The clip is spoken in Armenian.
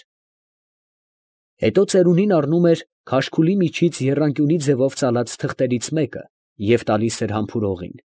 Էր։ Հետո ծերունին առնում էր քաշքուլի միջից եռանկյունի ձևով ծալած թղթերից մեկը և տալիս էր համբուրողին։